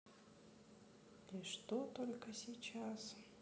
и что только сейчас